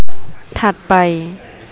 ถัดไป